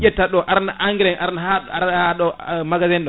ƴettaɗo arana engrais arana ha arana haɗo magasin ɗo